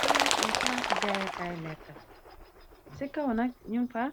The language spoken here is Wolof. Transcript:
Palaas bi palaasi jaayékaay lekk la ci kawa na nutar